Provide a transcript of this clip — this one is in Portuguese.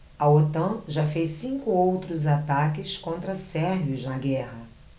a otan já fez cinco outros ataques contra sérvios na guerra